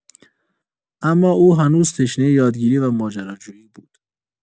اما او هنوز تشنۀ یادگیری و ماجراجویی بود.